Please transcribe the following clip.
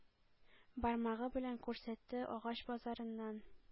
Бармагы белән күрсәтте,- агач базарыннан